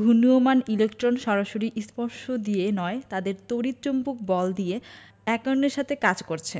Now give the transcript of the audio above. ঘূর্ণয়মান electron সরাসরি স্পর্শ দিয়ে নয় তাদের তড়িৎ চৌম্বক বল দিয়ে একে অন্যের সাথে কাজ করছে